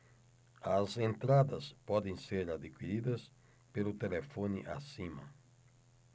as entradas podem ser adquiridas pelo telefone acima